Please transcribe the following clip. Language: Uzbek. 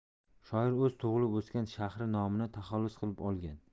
shoir o'zi tug'ilib o'sgan shahri nomini taxallus qilib olgan